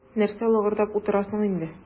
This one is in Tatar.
Нәрсә лыгырдап утырасың инде.